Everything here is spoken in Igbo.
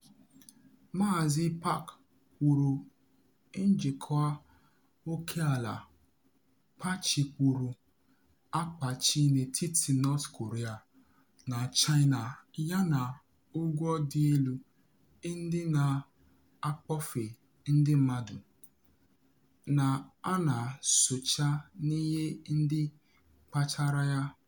Maazị Park kwuru njikwa oke ala kpachikwuru akpachi n’etiti North Korea na China yana ụgwọ dị elu ndị na akpọfe ndị mmadụ na ana socha n’ihe ndị kpatara ya.